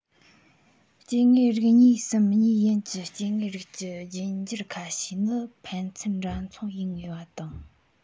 སྐྱེ དངོས རིགས གཉིས སམ གཉིས ཡན གྱི སྐྱེ དངོས རིགས ཀྱི རྒྱུད འགྱུར ཁ ཤས ནི ཕན ཚུན འདྲ མཚུངས ཡིན ངེས པ དང